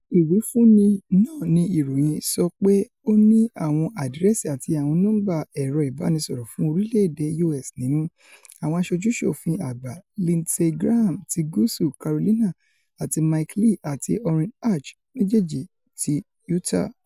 Ìwífúnni náà ni ìròyìn sọ pé ó ní àwọn àdírẹ́sì àti àwọn nọmba ẹẹrọ ìbànisϙrϙ fún orílẹ̀-èdè U.S. nínú. Àwọn aṣojú-ṣòfin àgbà Lindsey Graham ti Gúúsú Carolina, àti Mike Lee àti Orrin Hatch, méjèèjì ti Utah.